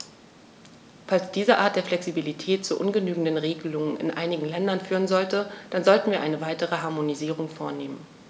Falls diese Art der Flexibilität zu ungenügenden Regelungen in einigen Ländern führen sollte, dann sollten wir eine weitere Harmonisierung vornehmen.